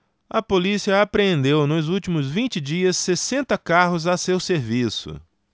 a polícia apreendeu nos últimos vinte dias sessenta carros a seu serviço